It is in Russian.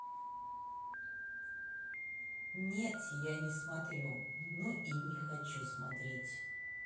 нет я не смотрю но я не хочу смотреть